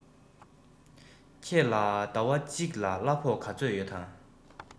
ཁྱོད ལ ཟླ བ གཅིག ལ གླ ཕོགས ག ཚོད ཡོད དམ